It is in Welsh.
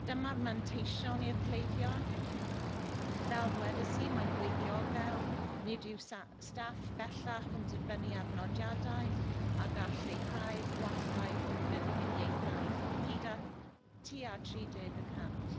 Dyma'r manteision i'r cleifion. Fel ddwedais i mae'n fwy ddiogel nid yw sa- staff bellach yn dibynnu ar nodiadau a gall lleihau gwallau meddyginiaethau hyd at tua tri deg y cant.